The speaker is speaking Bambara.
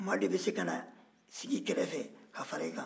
maa de bɛ se ka na sig'i kɛrɛfɛ ka fara i kan